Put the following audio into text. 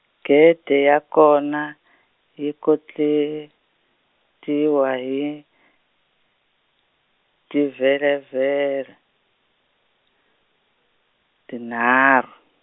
gede ya kona, yi kotletiwa hi, ti vherevhere, tinharhu.